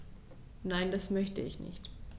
Nein, das möchte ich nicht.